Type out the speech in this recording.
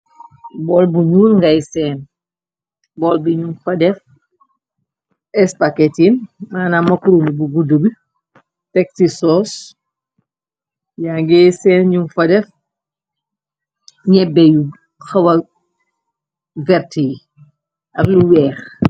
Bolbu nyul ngay seen bool bi ñum fa def espaketi manam makkorona bu guddu bi texisos ya nge seen ñum fa def ñyebbe yu xawaverte yi ak lu weex.